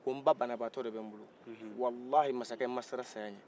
a ko nba banabatɔ de bɛ nbolo walaye masakɛ nma siran saya ɲɛ